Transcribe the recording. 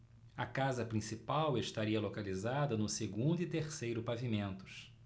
a casa principal estaria localizada no segundo e terceiro pavimentos